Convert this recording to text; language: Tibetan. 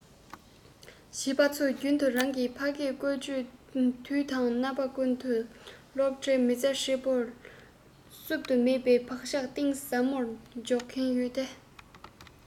བྱིས པ ཚོས རྒྱུན དུ རང གི ཕ སྐད བཀོལ སྤྱོད དུས དང རྣམ པ ཀུན ཏུ སློབ གྲྭའི མི ཚེ ཧྲིལ པོར བསུབ ཏུ མེད པའི བག ཆགས གཏིང ཟབ མོ རེ འཇོག གིན ཡོད དེ